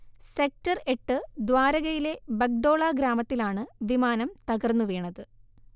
sector എട്ട് ദ്വാരകയിലെ ബഗ്ഡോള ഗ്രാമത്തിലാണ് വിമാനം തകർന്നുവീണത്